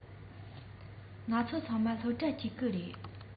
ང ཚོ ཚང མ སློབ གྲྭ གཅིག གི རེད